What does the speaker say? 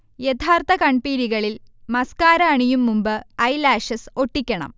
യഥാർത്ഥ കൺപീലികളിൽ മസ്കാര അണിയും മുമ്പ് ഐലാഷസ് ഒട്ടിക്കണം